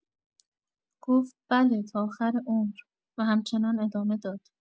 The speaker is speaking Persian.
گفت: بله تا آخر عمر؛ و همچنان ادامه داد.